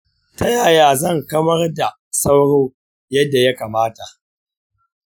ta yaya zan kawar da sauro yadda ya kamata?